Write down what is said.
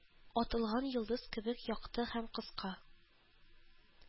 Атылган йолдыз кебек якты һәм кыска